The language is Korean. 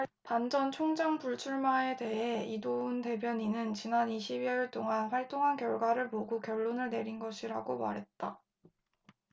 반 전 총장 불출마에 대해 이도운 대변인은 지난 이십 여일 동안 활동한 결과를 보고 결론을 내린 것이라고 말했다